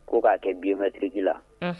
Ko k'a kɛ bibatiriji la